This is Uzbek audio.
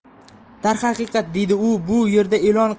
darhaqiqat deydi u bu yerda e'lon